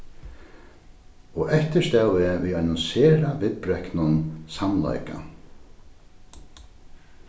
og eftir stóð eg við einum sera viðbreknum samleika